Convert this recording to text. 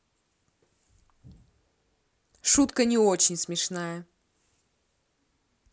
шутка не очень смешная